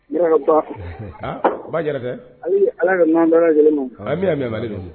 N ba u b'a jira ala ka'an baara lajɛlen ma bɛ mɛ